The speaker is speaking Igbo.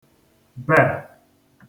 bè